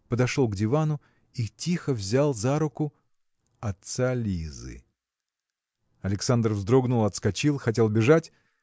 подошел к дивану и тихо взял за руку – отца Лизы. Александр вздрогнул отскочил хотел бежать